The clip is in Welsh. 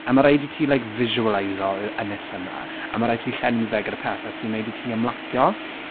A ma' raid i ti, like, fisualaiso y ynys yna, a ma' raid i ti llenwi fe gyda pethe a sy'n wneud i ti ymlacio.